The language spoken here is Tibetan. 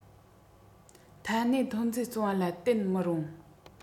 མཐའ སྣེའི ཐོན རྫས བཙོང བ ལ བརྟེན མི རུང